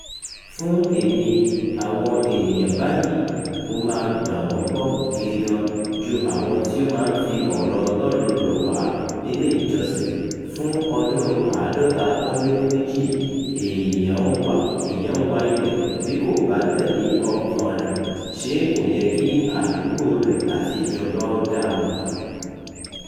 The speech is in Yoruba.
Fún èmi, àwọn ènìyàn báyìí, mo máa ń gbà wọ́n gbọ́ gidi gan-an, ju àwọn tí ó máa ń fi ọ̀rọ̀ Ọlọ́run [rọ] wá nílé ìjọsìn, fún ọdún 52 èèyàn-án wa ilẹ̀ — bí kò bá tẹ̀lé ọkàn-an rẹ̀, ṣé kò yẹ kí àdúgbòo rẹ̀ àti ìjọba ó dá a mọ̀?